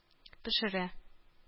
Пешерә